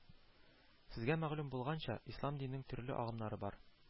Сезгә мәгълүм булганча, ислам диненең төрле агымнары бар